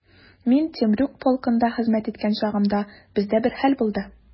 Мин Темрюк полкында хезмәт иткән чагымда, бездә бер хәл булды.